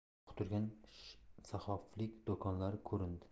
yopiq turgan sahhoflik do'konlari ko'rindi